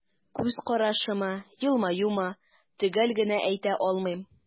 Күз карашымы, елмаюмы – төгәл генә әйтә алмыйм.